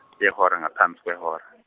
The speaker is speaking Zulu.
yehora ngaphambi kwehora.